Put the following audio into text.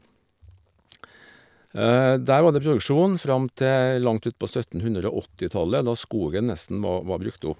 Der var det produksjon fram til langt ut på søttenhundre og åttitallet, da skogen nesten va var brukt opp.